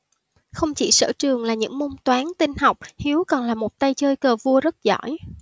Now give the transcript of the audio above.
không chỉ sở trường là những môn toán tin học hiếu còn là một tay chơi cờ vua rất giỏi